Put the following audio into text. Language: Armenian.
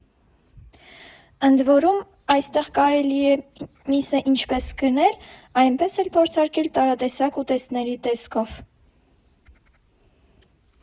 Ընդ որում, այստեղ միսը կարելի է ինչպես գնել, այնպես էլ փորձարկել տարատեսակ ուտեստների տեսքով։